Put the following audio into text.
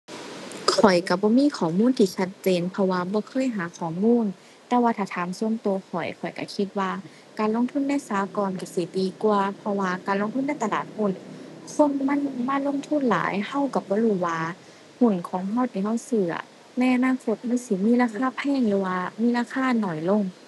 ข้อยก็บ่มีข้อมูลที่ชัดเจน เพราะว่าบ่เคยหาข้อมูล แต่ว่าถ้าถามส่วนก็ข้อย ข้อยก็คิดว่าการลงทุนในสหกรณ์ก็สิดีกว่า เพราะว่าการลงทุนในตลาดหุ้นคนมันมาลงทุนหลาย ก็ก็บ่รู้ว่าหุ้นของก็ที่ก็ซื้ออะ ในอนาคตมันสิมีราคาแพง หรือว่ามีราคาน้อยลง